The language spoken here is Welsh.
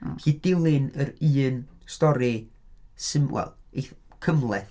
Felly dilyn yr un stori syml, wel, eith- cymhleth.